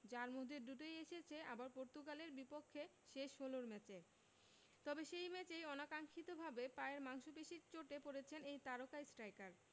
যার মধ্যে দুটোই এসেছে আবার পর্তুগালের বিপক্ষে শেষ ষোলোর ম্যাচে তবে সেই ম্যাচেই অনাকাঙ্ক্ষিতভাবে পায়ের মাংসপেশির চোটে পড়েছেন এই তারকা স্ট্রাইকার